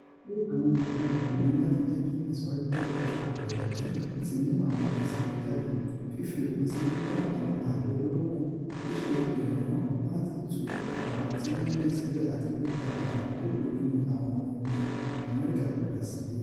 Ó sọ pé àwọn ìgbìyànjú òun láti jẹ́kí ìtẹ̀síwájú bá ìbáṣepọ̀ pẹ̀lú Kim ti mú àwọn èsì rere jáde - fífi òpin sí dídán àwọn àdó olóró wò, ṣíṣe ìrànwọ́ láti tú àwọn ti wọn ̀dè sílẹ̀ àti gbígba àwọn tókù nínú àwọn ọmọ ogun Amẹrika padà sílé.